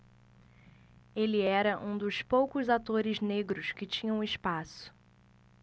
ele era um dos poucos atores negros que tinham espaço